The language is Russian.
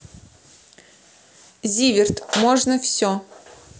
зиверт можно все